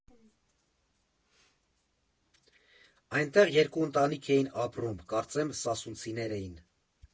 Այնտեղ երկու ընտանիք էին ապրում, կարծեմ՝ սասունցիներ էին։